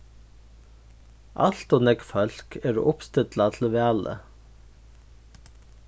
alt ov nógv fólk eru uppstillað til valið